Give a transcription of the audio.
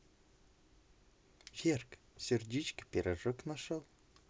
верка сердючка пирожок нашел